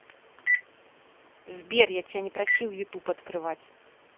сбер я тебя не просил youtube открывать